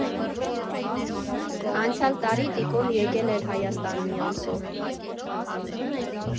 Անցյալ տարի Տիկոն եկել էր Հայաստան մի ամսով։